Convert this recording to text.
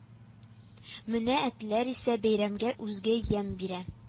Мөнә әтләр исә бәйрәмгә үзгә ямь бирә